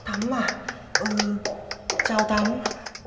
thắm à ừ chào thắm